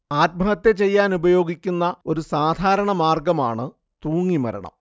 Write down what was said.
ആത്മഹത്യ ചെയ്യാനുപയോഗിക്കുന്ന ഒരു സാധാരണ മാർഗ്ഗമാണ് തൂങ്ങി മരണം